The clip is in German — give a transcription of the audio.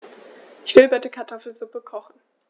Ich will bitte Kartoffelsuppe kochen.